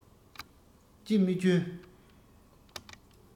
ཅི མི སྐྱོན